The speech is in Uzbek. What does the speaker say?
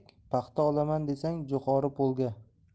ek paxta olaman desang jo'xori polga